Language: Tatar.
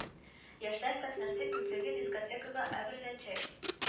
Яшьләр сәхнәсе күбекле дискотекага әвереләчәк